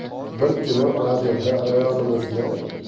bir kuni radioda rayonimizni